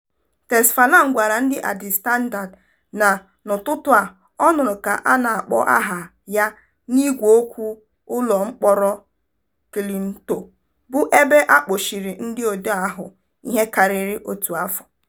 Tesfalem gwara ndị Addis Standard na n'ụtụtụ a, ọ nụrụ ka a na-akpọ aha ya n'igweokwu ụlọmkpọrọ Kilnto, bụ ebe a kpọchiri ndị odee ahụ ihe karịrị otu afọ.